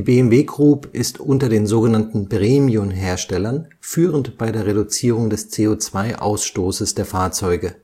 BMW Group ist unter den sogenannten Premiumherstellern führend bei der Reduzierung des CO2-Ausstoßes der Fahrzeuge.